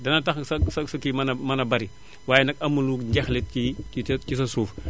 dana tax sa sa kii mën a mën a bari waaye nag amuñu jeexle ci ci sa suuf